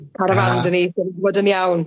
O, carafan 'da ni, gwbod yn iawn.